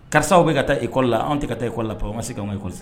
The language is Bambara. Karisaw bɛ ka taa ikɔli la anw tɛ ka taa ikɔ la an ma se ka ekɔ